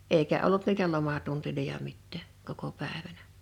eikä ollut niitä lomatunteja mitään koko päivänä